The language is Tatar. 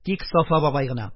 Тик Сафа бабай гына: